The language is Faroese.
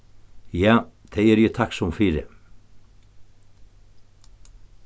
ja tað eri eg takksom fyri